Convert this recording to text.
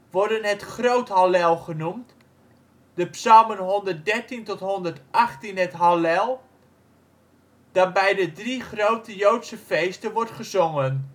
worden het Groot Hallel genoemd, de psalmen 113 – 118 het Halleel, dat bij de drie grote joodse feesten wordt gezongen